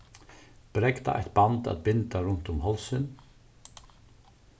bregda eitt band at binda runt um hálsin